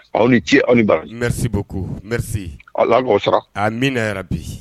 Aw ni ce awba n bɛ sebugu ko n bɛ se ala mɔgɔ sɔrɔ a min yɛrɛ bi